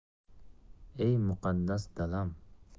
ey muqaddas dalam